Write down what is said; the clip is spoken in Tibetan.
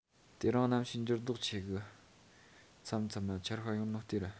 དེ རིང གནམ གཤིས འགྱུར ལྡོག ཆེ གི མཚམས མཚམས མ ཆར ཤྭ ཡོང ནོ ལྟོས ར